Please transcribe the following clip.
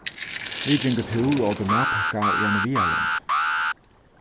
vit gingu túr og ótu matpakka í eini viðarlund